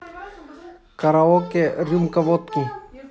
караоке рюмка водки